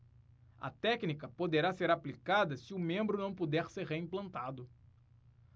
a técnica poderá ser aplicada se o membro não puder ser reimplantado